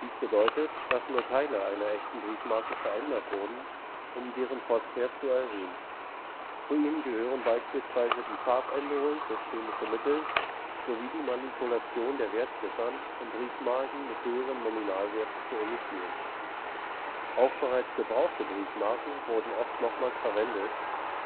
Dies bedeutet, dass nur Teile einer echten Briefmarke verändert wurden, um deren Postwert zu erhöhen. Zu ihnen gehören beispielsweise die Farbänderung durch chemische Mittel sowie die Manipulation der Wertziffern, um Briefmarken mit höheren Nominalwerten zu imitieren. Auch bereits gebrauchte Briefmarken wurden oft nochmals verwendet,